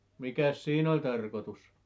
mikäs siinä oli tarkoitus